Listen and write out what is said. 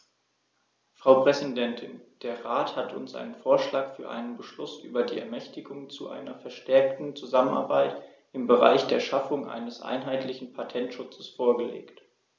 Frau Präsidentin, der Rat hat uns einen Vorschlag für einen Beschluss über die Ermächtigung zu einer verstärkten Zusammenarbeit im Bereich der Schaffung eines einheitlichen Patentschutzes vorgelegt.